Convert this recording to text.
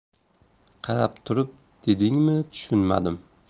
qarab turib dedingmi tushunmadim